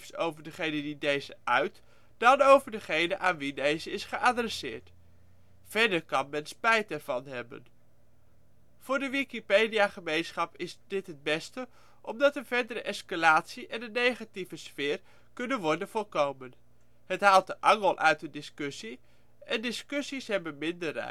over degene die deze uit dan over degene aan wie deze is geadresseerd. Verder kan men spijt ervan hebben. Voor de wikipediagemeenschap is dit het beste, omdat een verdere escalatie en een negatieve sfeer kunnen worden voorkomen. Het haalt vaak de angel uit een discussie, en discussies hebben minder